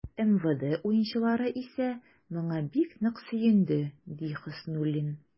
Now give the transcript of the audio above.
МВД уенчылары исә, моңа бик нык сөенде, ди Хөснуллин.